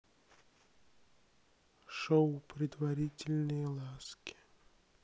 шоу предварительные ласки